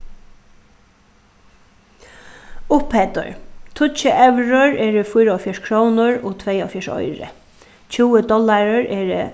upphæddir tíggju evrur eru fýraoghálvfjerðs krónur og tveyoghálvfjerðs oyru tjúgu dollarar eru